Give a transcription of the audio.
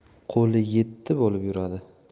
qo'li yetti bo'lib yuradi